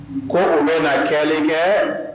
Ko u bɛ na kɛ kɛ